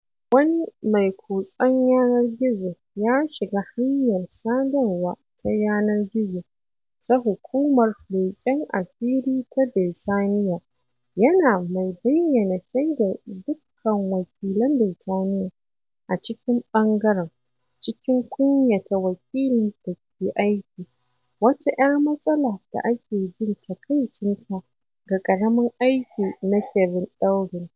Wani mai kutsen yanar gizo ya shiga hanyar sadarwa ta yanar gizo ta hukumar leƙen asiri ta Birtaniyya, yana mai bayyana shaidar dukkan wakilan Birtaniyya a cikin ɓangaren, cikin kunyata wakilin da ke aiki - wata 'yar matsala da ake jin takaicinta ga ƙaramin aiki na Kevin Eldon.